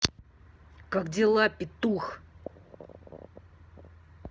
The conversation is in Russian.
как дела петух